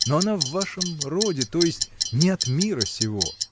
но она в вашем роде, то есть — не от мира сего!